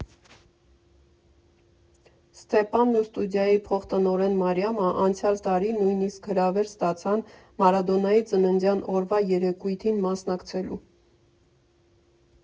Ստեփանն ու ստուդիայի փոխտնօրեն Մարիամը անցյալ տարի նույնիսկ հրավեր ստացան Մարադոնայի ծննդյան օրվա երեկույթին մասնակցելու։